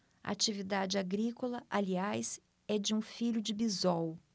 a atividade agrícola aliás é de um filho de bisol